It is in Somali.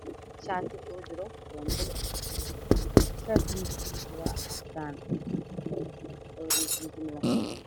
Wiil shaati ugu jiro shaatiga mideb kiisu waa cadaan habahana waa madow